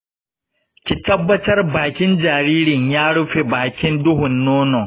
ki tabbatar bakin jaririn ya rufe bakin duhun nonon.